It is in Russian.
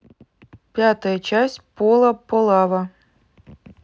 пятая часть пола полава